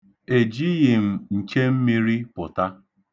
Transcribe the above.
Ejighị m nchemmiri pụta.